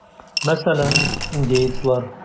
Мәсәлән, индеецлар.